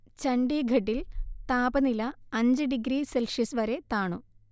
ചണ്ഡീഗഢിൽ താപനില അഞ്ച് degree Celsius വരെ താണു